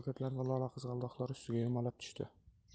ko'katlar va lolaqizg'aldoqlar ustiga yumalab tushdi